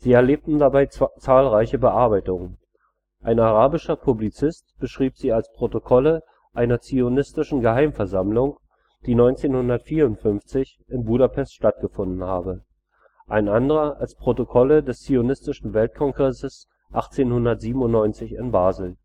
erlebten dabei zahlreiche Bearbeitungen: Ein arabischer Publizist beschrieb sie als Protokolle einer „ zionistischen Geheimversammlung “, die 1954 in Budapest stattgefunden habe; ein anderer als Protokolle des Zionistischen Weltkongresses 1897 in Basel